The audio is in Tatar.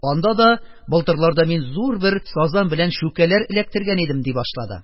Анда да былтырларда мин зур бер сазан белән шүкәләр эләктергән идем, - ди башлады.